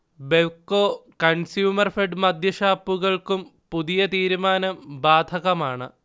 ബെവ്കോ, കൺസ്യൂമർഫെഡ് മദ്യഷാപ്പുകൾക്കും പുതിയ തീരുമാനം ബാധകമാണ്